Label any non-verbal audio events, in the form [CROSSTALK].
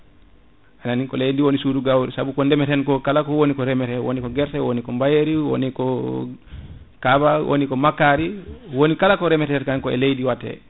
a andi ko leydi ndi woni suudu gawri saabu ko ndeemeten ko kala ko woni hen ko reemete woni ko guerte woni ko bayeri woni ko [HESITATION] kaba woni ko makkari woni kala ko reemete tan koy e leydi watte